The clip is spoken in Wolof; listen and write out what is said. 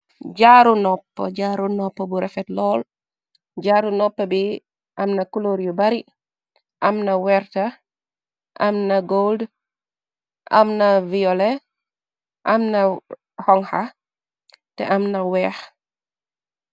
Jaaru nopp jaaru, jaaru nopp bu refet lool, jaaru nopp bi amna culor yu bari, am na werta, amna golde, amna violet, amna honxa, te amna weex.